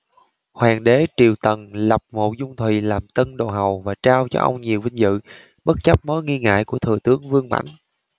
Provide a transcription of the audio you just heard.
hoàng đế tiền tần lập mộ dung thùy làm tân đồ hầu và trao cho ông nhiều vinh dự bất chấp mối nghi ngại của thừa tướng vương mãnh